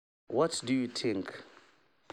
“What do you think?